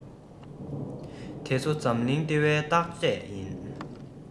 དེ ཚོ འཛམ གླིང ལྟེ བའི བརྟག དཔྱད ཡིན